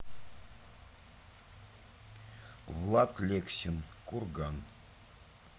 влад лексин курган